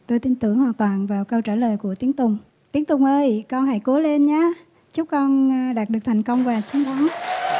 tôi tin tưởng hoàn toàn vào câu trả lời của tiến tùng tiến tùng ơi con hãy cố lên nhá chúc con đạt được thành công và chiến thắng